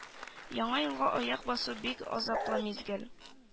Яңа елга аяк басу бик азаплы мизгел